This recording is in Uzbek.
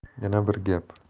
yana bir gap